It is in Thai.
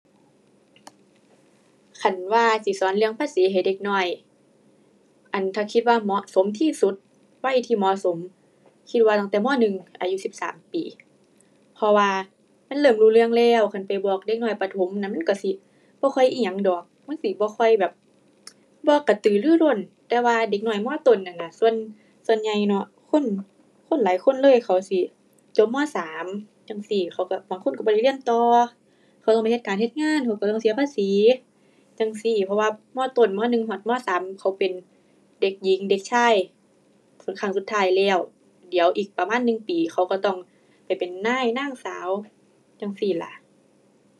คันว่าสิสอนเรื่องภาษีให้เด็กน้อย อั่น ถ้าคิดว่าเหมาะสมที่สุด วัยที่เหมาะสม คิดว่าตั้งแต่ ม. หนึ่ง อายุสิบสามปี เพราะว่ามันเริ่มรู้เรื่องแล้ว คันไปบอกเด็กน้อยประถมนั่น มันก็สิบ่ค่อยอิหยังดอก มันสิบ่ค่อยแบบ บ่กระตือรือร้นแต่ว่าเด็กน้อย ม. ต้น นั้นน่ะ ส่วน ส่วนใหญ่เนาะ คน คนหลายคนเลย เขาสิจบ ม. สามจั่งซี้ เขาก็บางคนเขาก็บ่ได้เรียนต่อ เขาต้องไปเฮ็ดการเฮ็ดงาน เขาก็ต้องเสียภาษีจั่งซี้ เพราะว่า ม. ต้น ม. หนึ่ง ฮอด ม. สาม เขา เป็นเด็กหญิง เด็กชายครั้งสุดท้ายแล้ว เดี๋ยวอีกประมาณหนึ่งปี เขาก็ต้องไปเป็นนาย นางสาว จั่งซี้ล่ะ